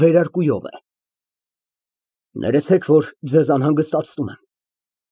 Վերարկուով է)։ Ներեցեք, որ ձեզ անհանգստացնում եմ։